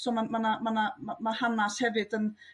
So ma' 'na ma' 'na ma' hanes hefyd yn